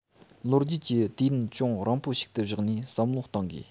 ལོ རྒྱུས ཀྱི དུས ཡུན ཅུང རིང པོ ཞིག ཏུ བཞག ནས བསམ བློ བཏང དགོས